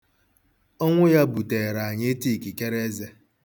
Ọnwụ ya buteere anyị ịta ikikereeze.